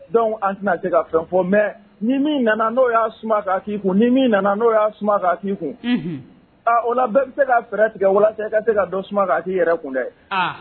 Dɔnku an tɛna ka fɛn fɔ mɛ ni min n'o y'a su kai kun ni min nana n'o y'a su ka kun o la bɛɛ bɛ se ka fɛɛrɛ tigɛ ka se ka suma' yɛrɛ kun dɛ